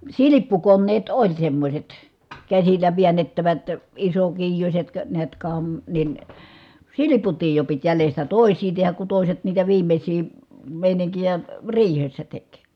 silppukoneet oli semmoiset käsillä väännettävät isokiijuiset - näet - niin silputtiin jo piti jäljestä toisia tehdä kun toiset niitä viimeisiä meininkejä riihessä teki